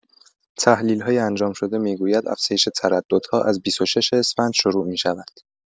تحلیل‌های انجام شده می‌گوید افزایش ترددها از ۲۶ اسفند شروع می‌شود.